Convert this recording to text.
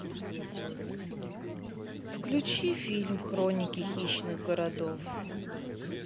включи фильм хроники хищных городов